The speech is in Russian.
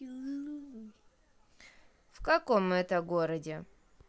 в каком это городе